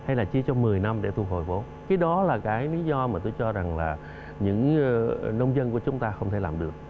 hay là chỉ trong mười năm để thu hồi vốn khi đó là cái lý do mà tôi cho rằng là những nông dân của chúng ta không thể làm được